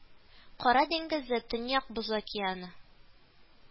Кара диңгезе, Төньяк Боз океаны